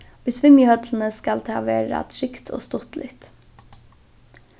í svimjihøllini skal tað vera trygt og stuttligt